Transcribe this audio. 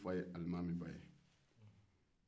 ne fa ye alimami ba ye